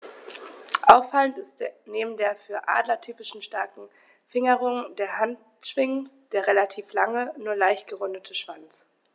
Auffallend ist neben der für Adler typischen starken Fingerung der Handschwingen der relativ lange, nur leicht gerundete Schwanz.